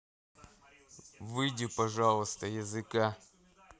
выйди пожалуйста языка